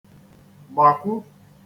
gbàkwu